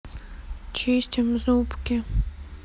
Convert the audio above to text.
чистим зубки